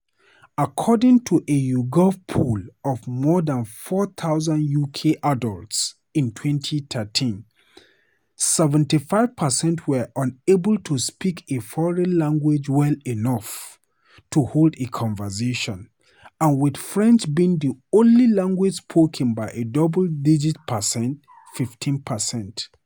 According to a YouGov poll of more than 4,000 UK adults in 2013, 75 per cent were unable to speak a foreign language well enough to hold a conversation and with French being the only language spoken by a double-digit percentage, 15 per cent.